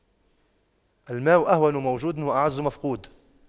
الماء أهون موجود وأعز مفقود